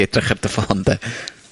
edrych ar dy ffôn 'de?